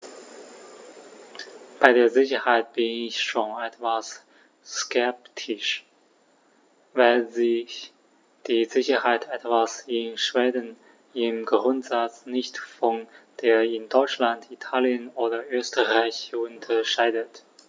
Bei der Sicherheit bin ich schon etwas skeptisch, weil sich die Sicherheit etwa in Schweden im Grundsatz nicht von der in Deutschland, Italien oder Österreich unterscheidet.